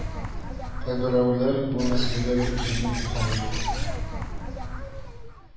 Кайберәүләр бу мәсәләгә бик җиңел карый